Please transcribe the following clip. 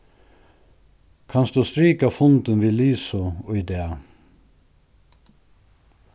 kanst tú strika fundin við lisu í dag